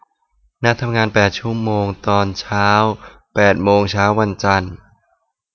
นัดทำงานแปดชั่วโมงตอนแปดโมงเช้าวันจันทร์